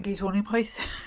Geith hwn ddim chwaith .